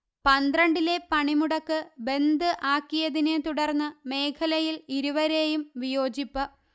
പന്ത്രണ്ടിലെ പണിമുടക്ക് ബന്ദ് ആക്കിയതിനെ തുടർന്ന്മേഖലയിൽ ഇരുവരെയും വിയോജിപ്പ്